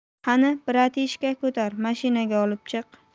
qani bratishka ko'tar mashinaga olib chiq